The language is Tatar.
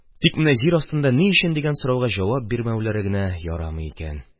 Тик менә җир астында «Ни өчен?» дигән сорауга җавап бирмәүләре генә ярамый икән.